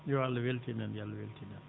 yo Allah weltin en yo Allah wetin en